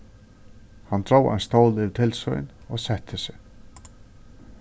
hann dró ein stól yvir til sín og setti seg